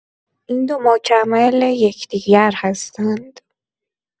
این دو مکمل یکدیگر هستند.